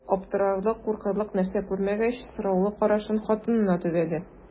Аптырарлык, куркырлык нәрсә күрмәгәч, сораулы карашын хатынына төбәде.